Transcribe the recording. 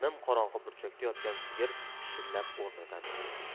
nimqorong'i burchakda yotgan sigir pishillab o'rnidan turadi